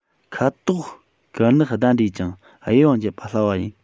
ཁ དོག དཀར ནག ཟླ འདྲེས ཀྱང དབྱེ བ འབྱེད པ སླ བ ཡིན